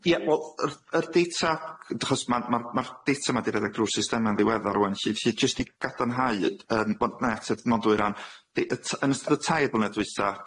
Ie wel yr yr data achos ma'r ma'r ma'r data ma' di redeg drw'r systema'n ddiwedda rŵan lly lly jyst i gadarnhau yy yym bo- na eto ma'n dwy ran di- yy t- yn ystod y tair mlynedd dwytha